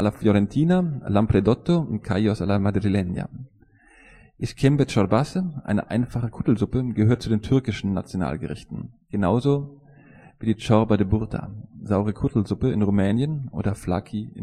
fiorentina, Lampredotto und Callos a la Madrileña. İşkembe Çorbası, eine einfache Kuttelsuppe, gehört zu den türkischen Nationalgerichten, genauso wie die Ciorba de Burta (Saure Kuttelsuppe) in Rumänien oder Flaki